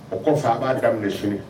O ko fa b'a ka minɛ sini